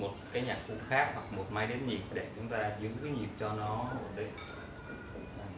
chúng ta sẽ dùng nhạc cụ khác hoặc máy đếm nhịp để cho nhịp điệu ổn định